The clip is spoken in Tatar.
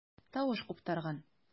Тавыш куптарган.